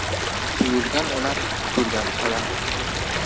buyuigan olar yugurgan qolar